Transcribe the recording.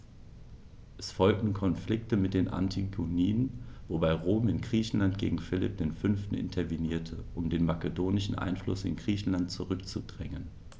Es folgten Konflikte mit den Antigoniden, wobei Rom in Griechenland gegen Philipp V. intervenierte, um den makedonischen Einfluss in Griechenland zurückzudrängen.